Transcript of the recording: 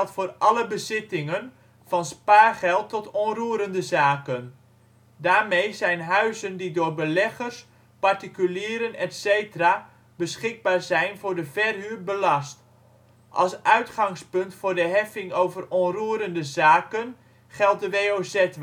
voor alle bezittingen van spaargeld tot onroerende zaken. Daarmee zijn huizen die door beleggers, particulieren etc. beschikbaar zijn voor de verhuur belast. Als uitgangspunt voor de heffing over onroerende zaken geldt de WOZ-waarde